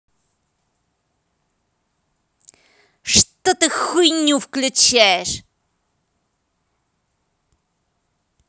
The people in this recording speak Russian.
что ты хуйню включаешь